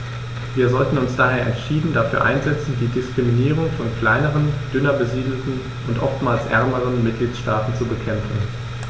Wir sollten uns daher entschieden dafür einsetzen, die Diskriminierung von kleineren, dünner besiedelten und oftmals ärmeren Mitgliedstaaten zu bekämpfen.